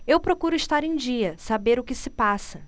eu procuro estar em dia saber o que se passa